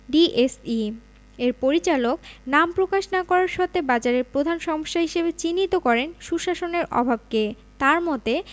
DSE এর এক পরিচালক নাম প্রকাশ না করার শর্তে বাজারের প্রধান সমস্যা হিসেবে চিহ্নিত করেন সুশাসনের অভাবকে তাঁর মতে